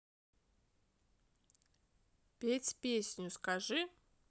петь песню скажи